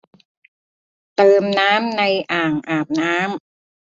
เติมน้ำในอ่างอาบน้ำ